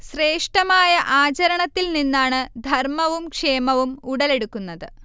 ശ്രേഷ്ഠമായ ആചരണത്തിൽ നിന്നാണ് ധർമ്മവും ക്ഷേമവും ഉടലെടുക്കുന്നത്